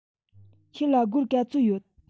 ཁྱེད ལ སྒོར ག ཚོད ཡོད